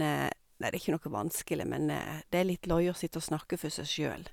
Nei, det er ikke noe vanskelig, men det er litt løye å sitte og snakke for seg sjøl.